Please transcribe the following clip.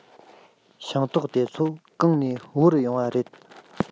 ཤིང ཏོག དེ ཚོ གང ནས དབོར ཡོང བ རེད